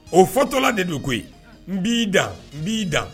O fɔtɔla de don koyi n b'i dan n b'i dan